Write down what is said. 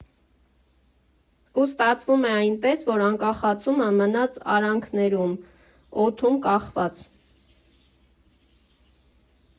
Ու ստացվում է այնպես, որ Անկախացումը մնաց արանքներում, օդում կախված։